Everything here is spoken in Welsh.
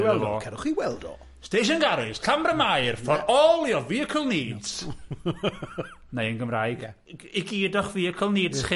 Cerwch chi weld o. Station Garage, Llanfram Mair, for all your vehicle needs, neu yn Gymraeg, i gyd o'ch vehicle needs chi.